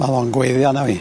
Ma' o'n gweiddi ana fi.